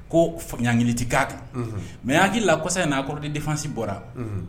Ko yan hakiliiliti ka kan mɛ y' hakili la kosa ye n'a kɔrɔ de defasi bɔra